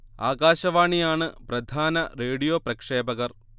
ആകാശവാണി ആണ് പ്രധാന റേഡിയോ പ്രക്ഷേപകർ